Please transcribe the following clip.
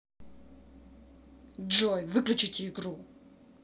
джой выключить игру